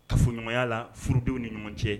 Kaa fɔ ɲya la furudenw ni ɲɔgɔn cɛ